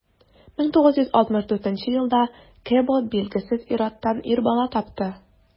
1964 елда кэбот билгесез ир-аттан ир бала тапты.